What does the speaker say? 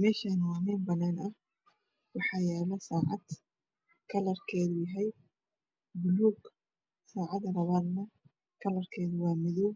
Meshani waa mel banan ah waxa yalo sacad Kalarkedu uyahay bulug sacad labadne kalarkedu wa madow